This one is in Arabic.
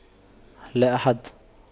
لا أحد